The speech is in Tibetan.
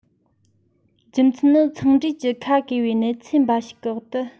རྒྱུ མཚན ནི འཚང འབྲས ཀྱི ཁ གས པའི གནས ཚུལ འབའ ཞིག གི འོག ཏུ